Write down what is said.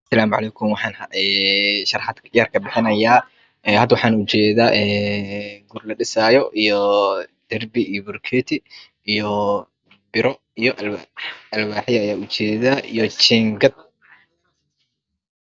Asc waxan sharaxadkabixinaya hada waxan ujedaguriladhisayo iyo derbi iyo buluketi iyo biro Alwaxyo Ayan ujeda iyo jingad